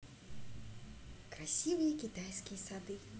красивые китайские сады